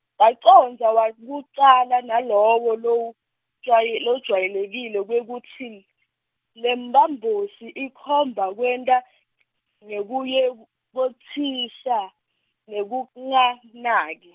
wacondza wekucala nalowo lojwaye- lojwayelekile wekutsi, lemphambosi ikhomba kwenta ngekuyek- -ketsisa, nekunganaki.